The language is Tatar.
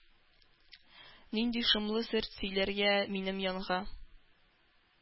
Нинди шомлы сер сөйләргә минем янга?